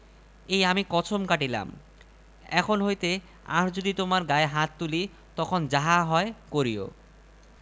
সেদিন তাই নিয়ে শোকপ্রকাশ করাতে আমার জনৈক বন্ধু একটি গল্প বললেন এক ড্রইংরুম বিহারীণী গিয়েছেন বাজারে স্বামীর জন্মদিনের জন্য সওগাত কিনতে